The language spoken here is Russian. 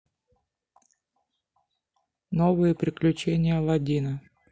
новые приключения аладдина